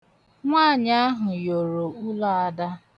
Nwaanyị ahụ nyoro ụlọ Ada.